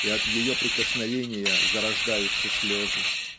и от ее прикосновения зарождаются слезы.